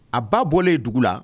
A ba bɔlen dugu la